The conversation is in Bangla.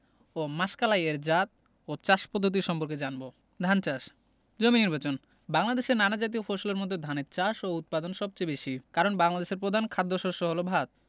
ও মাসকালাই এর জাত ও চাষ পদ্ধতি সম্পর্কে জানব ধান চাষ জমি নির্বাচনঃ বাংলাদেশে নানাজাতীয় ফসলের মধ্যে ধানের চাষ ও উৎপাদন সবচেয়ে বেশি কারন মানুষের প্রধান খাদ্যশস্য হলো ভাত